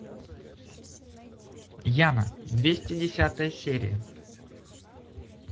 яна двести десятая серия